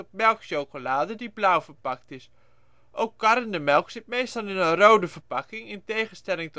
melkchocolade, die blauw verpakt is. Ook karnemelk zit meestal in een rode verpakking, in tegenstelling